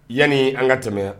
Yanni an ka tɛmɛ